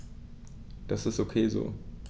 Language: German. Das ist ok so.